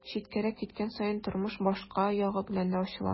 Читкәрәк киткән саен тормыш башка ягы белән дә ачыла.